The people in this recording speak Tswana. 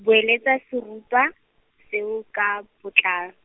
boeletsa serutwa, seo ka botlalo.